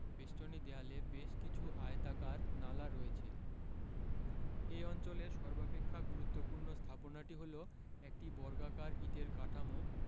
বেষ্টনী দেয়ালে বেশ কিছু আয়তাকার নালা রয়েছে এ অঞ্চলের সর্বাপেক্ষা গুরুত্বপূর্ণ স্থাপনাটি হলো একটি বর্গাকার ইটের কাঠামো